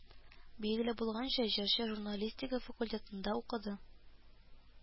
Билгеле булганча, җырчы журналистика факультетында укыды